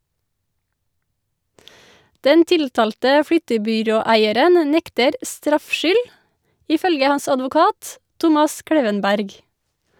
Den tiltalte flyttebyråeieren nekter straffskyld , ifølge hans advokat, Thomas Klevenberg.